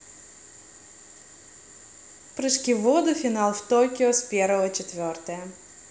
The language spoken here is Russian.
прыжки в воду финал в токио с первого четвертая